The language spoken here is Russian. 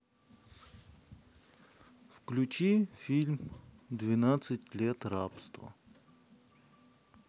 включи фильм двенадцать лет рабства